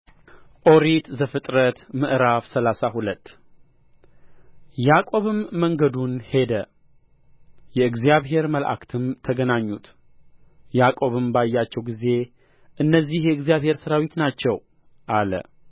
ኦሪት ዘፍጥረት ምዕራፍ ሰላሳ ሁለት ያዕቆብም መንገዱን ሄደ የእግዚአብሔር መላእክትም ተገናኙት ያዕቆብም ባያቸው ጊዜ እነዚህ የእግዚአብሔር ሠራዊት ናቸው አለ